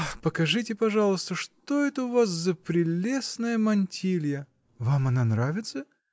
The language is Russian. Ах, покажите, пожалуйста, что это у вас за прелестная мантилья? -- Вам она нравится?